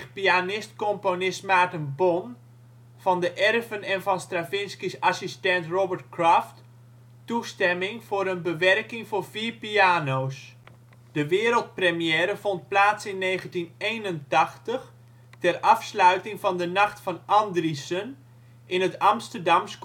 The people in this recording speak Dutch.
pianist-componist Maarten Bon (1933-2003) van de erven en van Stravinsky 's assistent Robert Craft toestemming voor een bewerking voor vier piano 's. De wereldpremière vond plaats in 1981 ter afsluiting van De Nacht van Andriessen in het Amsterdams